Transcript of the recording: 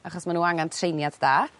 achos ma' n'w angan treiniad da.